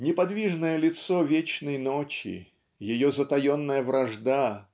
Неподвижное лицо Вечной Ночи ее затаенная вражда